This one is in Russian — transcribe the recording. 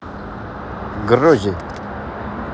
грози